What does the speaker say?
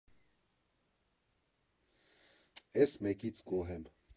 Էս մեկից գոհ եմ։